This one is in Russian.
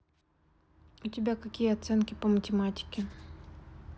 у тебя какие оценки по математике